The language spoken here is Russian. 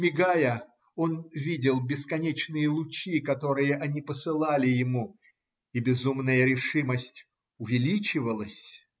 Мигая, он видел бесконечные лучи, которые они посылали ему, и безумная решимость увеличивалась.